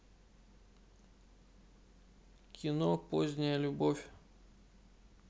кино поздняя любовь